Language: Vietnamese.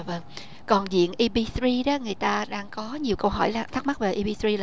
dạ vâng còn diện i bi ri á người ta đang có nhiều câu hỏi thắc mắc về i bi ri